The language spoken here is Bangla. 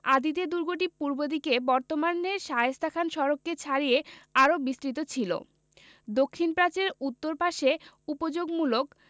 আদিতে দুর্গটি পূর্ব দিকে বর্তমানের শায়েস্তা খান সড়ককে ছাড়িয়ে আরও বিস্তৃত ছিল দক্ষিণ প্রাচীরের উত্তর পাশে উপযোগমূলক